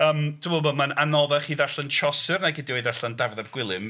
Yym dwi'n meddwl bod mae'n anoddach i ddarllen Chaucer nag ydi o i ddarllen Dafydd ap Gwilym.